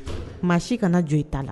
Maa si kana jo i ta la